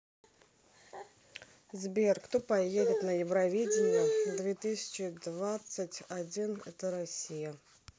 сбер кто поет на евровидение две тысячи двадцать один это россия